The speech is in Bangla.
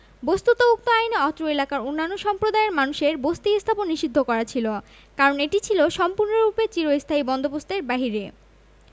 বস্তুত উক্ত আইনে অত্র এলাকায় অন্যান্য সম্প্রদায়ের মানুষের বসতী স্থাপন নিষিধ্ধ করা ছিল কারণ এটি ছিল সম্পূর্ণরূপে চিরস্থায়ী বন্দোবস্তের বাহিরে